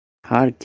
har kim o'zi